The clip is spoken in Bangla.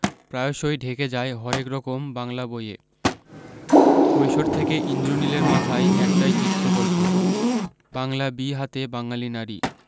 প্রায়শই ঢেকে যায় হরেক রকম বাংলা বইয়ে কৈশোর থেকে ইন্দ্রনীলের মাথায় একটাই চিত্রকল্প বাংলা বি হাতে বাঙালী নারী